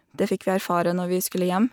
Det fikk vi erfare når vi skulle hjem.